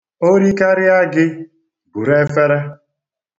O rikarịa gị, buru efere.